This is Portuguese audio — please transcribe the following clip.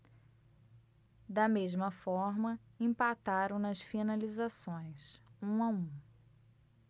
da mesma forma empataram nas finalizações um a um